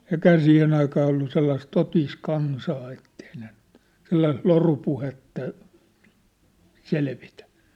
eikähän siihen aikaan ollut sellaista totista kansaa että ei ne nyt sellaista lorupuhetta selvitä